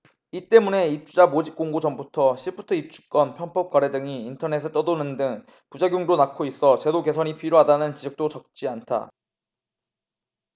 이 때문에 입주자 모집공고 전부터 시프트 입주권 편법 거래 등이 인터넷에 떠도는 등 부작용도 낳고 있어 제도 개선이 필요하다는 지적도 적지 않다